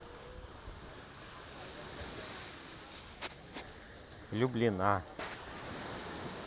влюблена